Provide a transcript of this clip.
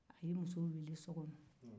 a ye muso in weele so kɔnɔ